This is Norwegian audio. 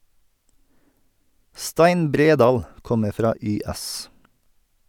Stein Bredal kommer fra YS.